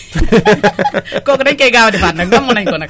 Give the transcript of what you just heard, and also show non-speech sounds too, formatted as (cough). (laughs) kooku dañ koy gaaw a defaat nag namm nañ ko nag